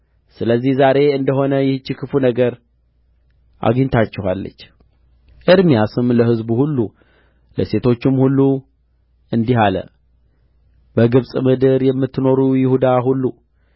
ስለዚህ ዛሬ እንደ ሆነ ይህች ክፉ ነገር አግኝታችኋለች ኤርምያስም ለሕዝቡ ሁሉ ለሴቶቹም ሁሉ እንዲህ አለ በግብጽ ምድር የምትኖሩ ይሁዳ ሁሉ